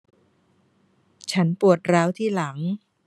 ฉันปวดร้าวที่หลัง